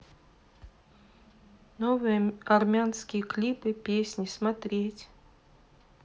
новые армянские клипы песни смотреть